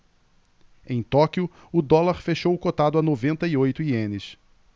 em tóquio o dólar fechou cotado a noventa e oito ienes